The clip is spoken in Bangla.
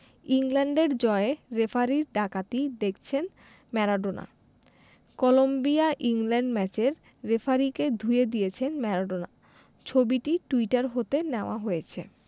ইংল্যান্ডের জয়ে রেফারির ডাকাতি দেখছেন ম্যারাডোনা কলম্বিয়া ইংল্যান্ড ম্যাচের রেফারিকে ধুয়ে দিয়েছেন ম্যারাডোনা ছবিটি টুইটার হতে নেয়া হয়েছে